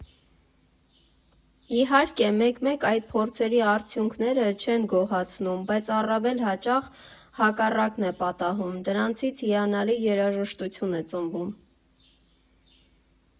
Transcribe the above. Իհարկե, մեկ֊մեկ այդ փորձերի արդյունքները չեն գոհացնում, բայց առավել հաճախ հակառակն է պատահում՝ դրանցից հիանալի երաժշտություն է ծնվում։